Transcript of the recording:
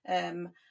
Yym.